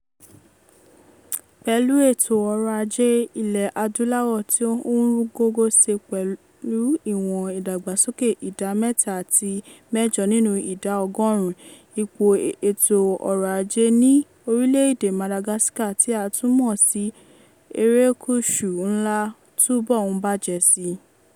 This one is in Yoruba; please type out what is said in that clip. Pẹ̀lú ètò ọ̀rọ̀ ajé Ilẹ̀ Adúláwò tí ó ń rú gọ́gọ́ si pẹ̀lú ìwọ̀n ìdàgbàsókè ìdá 3.8 nínú ìdá ọgọ́rùn-ún, ipò ètò ọ̀rọ̀ ajé ní orílẹ̀ èdè Madagascar, tí a tun mọ̀ sí Erékùṣù Ńlá, túbọ̀ ń bàjẹ́ si.